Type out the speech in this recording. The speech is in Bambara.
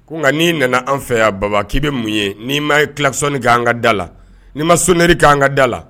Ko nka n'i nana an fɛ yan Baba k'i bɛ mun ye, n'i ma klaxon nin kɛ an ka da la, n’i ma sonnerie kɛ an ka da la